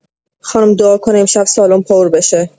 خانم دعا کن امشب سالن پر بشه.